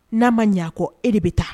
Na ma ɲɛ a kɔ e de bi taa.